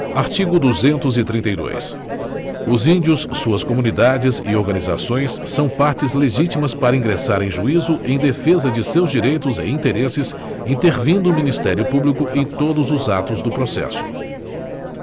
artigo duzentos e trinta e dois os índios suas comunidades e organizações são partes legítimas para ingressar em juízo em defesa de seus direitos e interesses intervindo o ministério público em todos os atos do processo